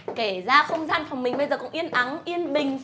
kể ra không gian phòng mình bây giờ cũng yên ắng yên bình